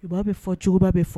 I b'a bɛ fɔ cogo bɛ fɔ